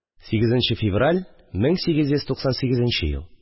8 нче февраль 1898 ел